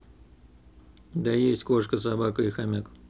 да есть кошка собака и хомяк